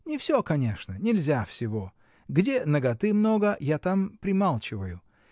Не всё, конечно; нельзя всего: где наготы много, я там прималчиваю.